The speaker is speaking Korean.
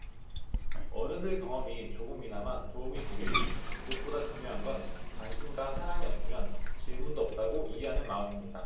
어른들 경험이 조금이나마 도움이 되길무엇보다 중요한 건 관심과 사랑이 없으면 질문도 없다고 이해하는 마음입니다